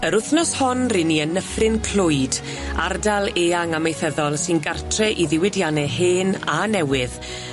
Yr wthnos hon ry'n ni yn Nyffryn Clwyd ardal eang amaethyddol sy'n gartre i ddiwydianne hen a newydd